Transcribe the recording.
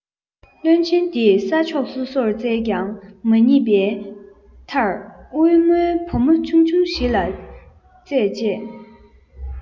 བློན ཆེན དེས ས ཕྱོགས སོ སོར བཙལ ཀྱང མ ཪྙེད པས མཐར དབུལ བོའི བུ མོ ཆུང ཆུང ཞིག ལ རྩད བཅད